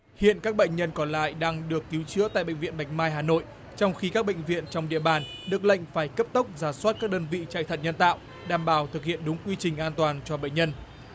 hiện các bệnh nhân còn lại đang được cứu chữa tại bệnh viện bạch mai hà nội trong khi các bệnh viện trong địa bàn được lệnh phải cấp tốc rà soát các đơn vị chạy thận nhân tạo đảm bảo thực hiện đúng quy trình an toàn cho bệnh nhân